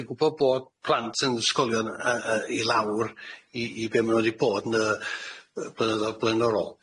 dwi'n gwbo bod plant yn ysgolion yy yy i lawr i i be' ma' nw 'di bod yn y yy blynyddoedd blaenorol,